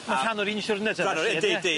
A... Ma' rhan o'r un siwrne te